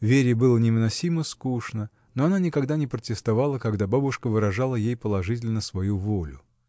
Вере было невыносимо скучно, но она никогда не протестовала, когда бабушка выражала ей положительно свою волю.